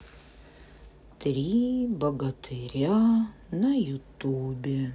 три богатыря на ютубе